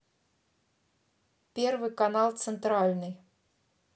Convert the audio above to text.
первый канал центральный